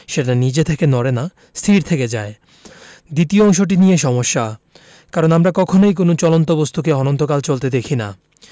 সেটা নিজে থেকে নড়ে না স্থির থেকে যায় দ্বিতীয় অংশটি নিয়ে সমস্যা কারণ আমরা কখনোই কোনো চলন্ত বস্তুকে অনন্তকাল চলতে দেখি না